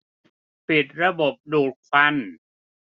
ปิดระบบดูดควัน